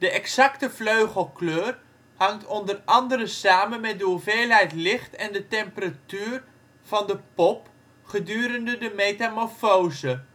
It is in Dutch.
exacte vleugelkleur hangt onder andere samen met de hoeveelheid licht en de temperatuur van de pop gedurende de metamorfose